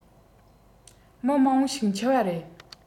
མི མང པོ ཞིག འཆི བ རེད